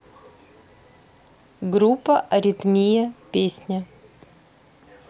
группа аритмия песня